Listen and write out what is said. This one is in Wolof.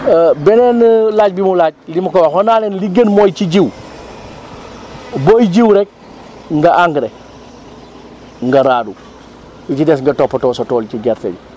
beneen laaj bi mu laaj li ma ko waxoon naa leen li gën mooy ci jiw booy jiw rek nga engrais nga raadu li ci des nga toppatoo sa tool ci gerte gi